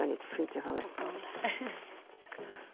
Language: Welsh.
'Dan ni 'di ffindio honne. Oh God.